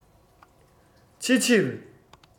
ཕྱི ཕྱིར